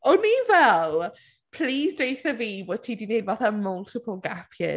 O’n i fel, plis dweutha fi bod ti 'di wneud fatha multiple gap years